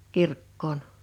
kirkkoon